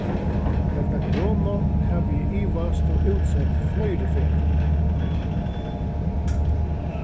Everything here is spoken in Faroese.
vegna koronu havi eg ivast og útsett fleiri ferðir